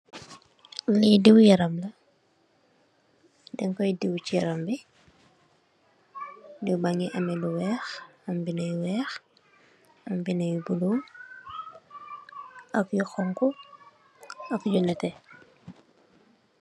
Lii diwi yaram la, dankoi diw chi yaram bii, diw baangy ameh lu wekh, am bindu yu wekh, am bindu yu bleu, ak yu honhu, ak yu nehteh.